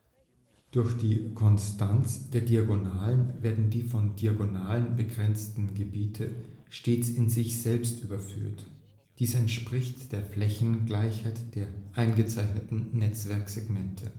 Durch die Konstanz der Diagonalen werden die von Diagonalen begrenzten Gebiete stets in sich selbst übergeführt. Dies entspricht der Flächengleichheit der eingezeichneten Netzwerk-Segmente